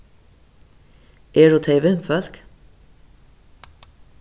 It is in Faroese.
eru tey vinfólk